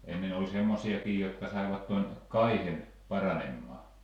ennen oli semmoisiakin jotka saivat tuon kaihin paranemaan